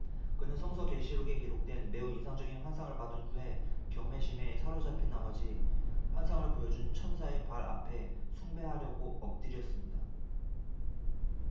그는 성서 계시록에 기록된 매우 인상적인 환상을 받은 후에 경외심에 사로잡힌 나머지 환상을 보여 준 천사의 발 앞에 숭배하려고 엎드렸습니다